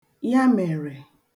ya mèrè